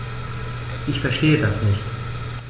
Ich verstehe das nicht.